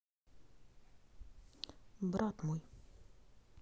брат мой